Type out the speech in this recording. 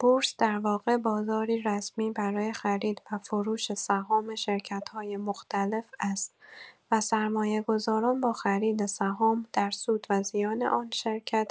بورس در واقع بازاری رسمی برای خرید و فروش سهام شرکت‌های مختلف است و سرمایه‌گذاران با خرید سهام، در سود و زیان آن شرکت